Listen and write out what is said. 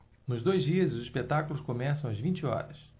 nos dois dias os espetáculos começam às vinte horas